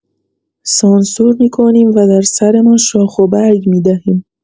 سانسور می‌کنیم و در سرمان شاخ‌وبرگ می‌دهیم.